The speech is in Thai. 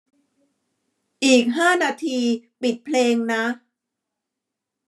อีกห้านาทีปิดเพลงนะ